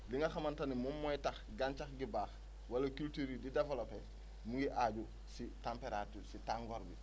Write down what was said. li nga xamante ni moom mooy tax gàncax gi baax wala culture yi di développé mu ngi aaju si température si tàngoor bi